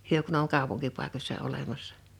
he kun on kaupunkipaikoissa olemassa